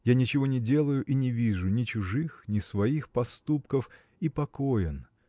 Я ничего не делаю и не вижу ни чужих, ни своих поступков – и покоен.